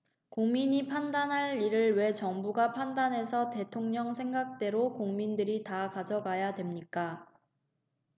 국민이 판단할 일을 왜 정부가 판단해서 대통령 생각대로 국민들이 다 가져가야 됩니까